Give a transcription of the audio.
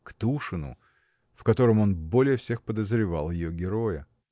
к Тушину, в котором он более всех подозревал ее героя.